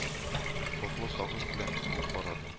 Татлы сагыш белән ул карады